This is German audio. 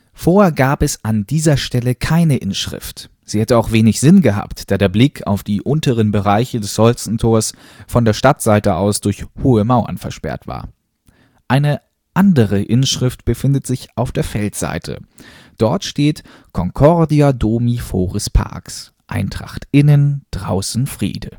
Vorher gab es an dieser Stelle keine Inschrift. Sie hätte auch wenig Sinn gehabt, da der Blick auf die unteren Bereiche des Holstentors von der Stadtseite aus durch hohe Mauern versperrt war. Eine andere Inschrift befindet sich auf der Feldseite. Dort steht Concordia domi foris pax (Eintracht innen, draußen Friede